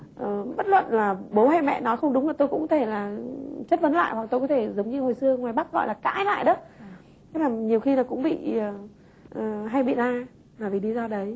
ờ bất luận là bố hay mẹ nói không đúng là tôi cũng thể là chất vấn lại hoặc tôi có thể giống như hồi xưa ngoài bắc gọi là cãi lại đó thế là nhiều khi cũng bị à hay bị la là vì lý do đấy